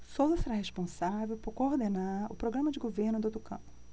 souza será responsável por coordenar o programa de governo do tucano